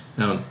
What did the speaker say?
Iawn.